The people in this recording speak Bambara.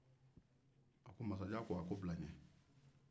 masajan ko bila n ɲɛ